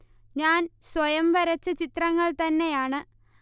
ഞാൻ സ്വയം വരച്ച ചിത്രങ്ങൾ തന്നെയാണ്